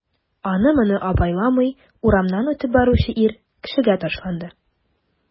Аны-моны абайламый урамнан үтеп баручы ир кешегә ташланды...